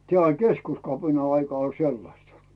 tämä oli keskuskapinan aika oli sellaista